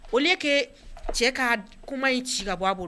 Au lieu que cɛ ka kuma in ci ka bɔ a bolo